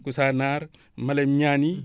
Kousanaar Malem Niani